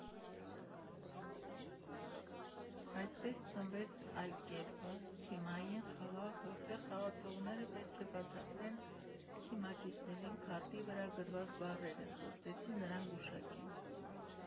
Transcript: Այդպես ծնվեց «Այլ կերպը»՝ թիմային խաղ, որտեղ խաղացողները պետք է բացատրեն թիմակիցներին քարտի վրա գրված բառերը, որպեսզի նրանք գուշակեն։